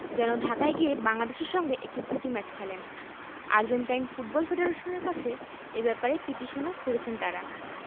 যেন ঢাকায় গিয়ে বাংলাদেশের সঙ্গে একটি প্রীতি ম্যাচ খেলেন আর্জেন্টাইন ফুটবল ফেডারেশনের কাছে এ ব্যাপারে পিটিশনও করেছেন তাঁরা